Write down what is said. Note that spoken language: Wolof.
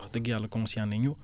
wax dëgg Yàlla conscients nañu